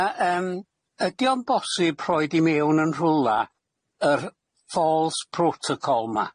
Ia yym ydi o'n bosib rhoid i mewn yn rhwla yr ffôls protocol 'ma?